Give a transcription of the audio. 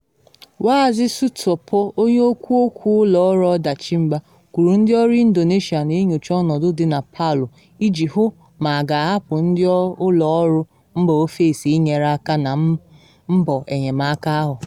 Maazị Sutopo, onye okwu okwu ụlọ ọrụ ọdachi mba, kwuru ndị ọrụ Indonesia na enyocha ọnọdụ dị na Palu iji hụ ma a ga-ahapụ ndị ụlọ ọrụ mba ofesi ịnyere aka na mbọ enyemaka ahụ.